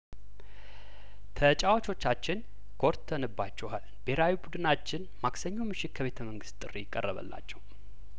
ተጫዋቾቻችን ኮርተንባችኋል ብሄራዊ ቡድናችን ማክሰኞ ምሽት ከቤተ መንግስት ጥሪ ቀረበላቸው